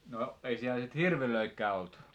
no ei siellä sitten hirviäkään ollut